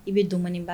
I bɛ dumuniɔni ba